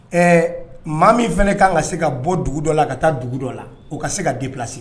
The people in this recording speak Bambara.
Ɛɛ maa min fana ka kan ka se ka bɔ dugu dɔ la ka taa dugu dɔ la o ka se ka dilasi